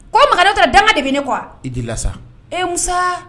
Ko makan dɔ dama de bɛ ne kuwadi la sa esa